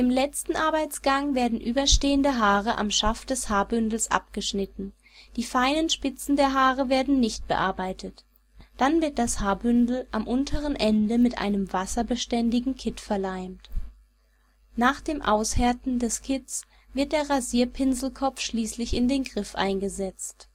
letzten Arbeitsgang werden überstehende Haare am Schaft des Haarbündels abgeschnitten; die feinen Spitzen der Haare werden nicht bearbeitet. Dann wird das Haarbündel am unteren Ende mit einem wasserbeständigen Kitt verleimt. Nach dem Aushärten des Kitts wird der Rasierpinselkopf schließlich in den Griff eingesetzt